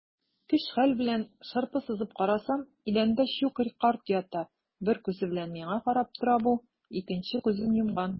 Көч-хәл белән шырпы сызып карасам - идәндә Щукарь карт ята, бер күзе белән миңа карап тора бу, икенче күзен йомган.